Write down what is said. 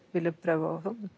ville prøve .